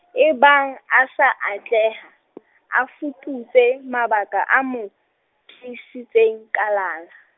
ebang a sa atleha , a fuputse, mabaka a mo, teisitseng kalala.